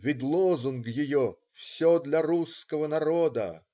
Ведь лозунг ее: все для русского народа!!. .